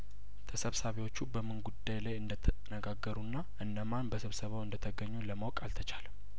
ተሰብሳቢዎቹ በምን ጉዳይ ላይ እንደ ተነጋገሩና እነማን በስብሰባው እንደተገኙ ለማወቅ አልተቻለም